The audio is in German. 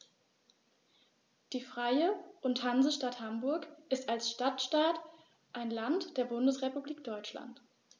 Die Freie und Hansestadt Hamburg ist als Stadtstaat ein Land der Bundesrepublik Deutschland.